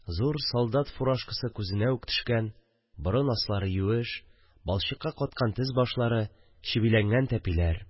Зур солдат фуражкасы күзенә үк төшкән, борын аслары юеш, балчыкка каткан тез башлары, чебиләнгән тәпиләр